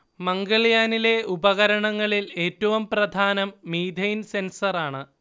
മംഗൾയാനിലെ ഉപകരണങ്ങളിൽ ഏറ്റവും പ്രധാനം മീഥെയ്ൻ സെൻസർ ആണ്